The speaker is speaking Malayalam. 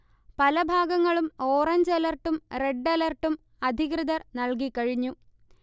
പലഭാഗങ്ങളും ഓറഞ്ച് അലർട്ടും, റെഡ് അലർട്ടും അധികൃതർ നല്കികഴിഞ്ഞു